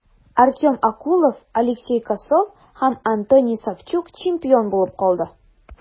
Артем Окулов, Алексей Косов һәм Антоний Савчук чемпион булып калды.